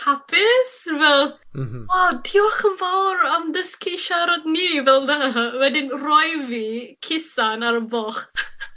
Hapus fel... Mhm. ...o diolch yn fawr am dysgu siarad ni fel 'na wedyn rhoi fi cusan ar y boch.